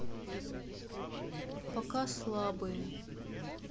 пока слабые